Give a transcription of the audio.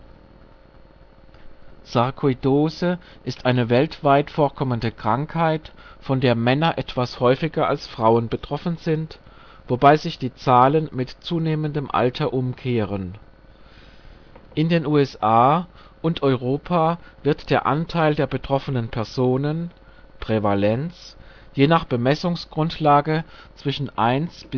Sarkoidose ist eine weltweit vorkommende Krankheit, von der Männer etwas häufiger als Frauen betroffen sind, wobei sich die Zahlen mit zunehmendem Alter umkehren. In den USA und Europa wird der Anteil der betroffenen Personen (Prävalenz) je nach Bemessungsgrundlage zwischen 1-40